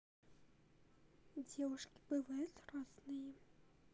девушки бывают разные